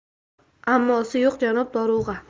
ammosi yo'q janob dorug'a